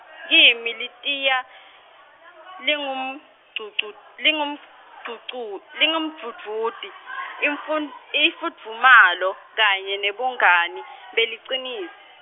kimi litiya, lingumdvudvut-, lingumdvudvu-, lingumdvudvuti, imfun- imfudvumalo kanye nebungani, beliciniso.